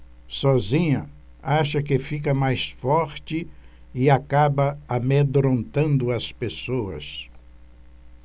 sozinha acha que fica mais forte e acaba amedrontando as pessoas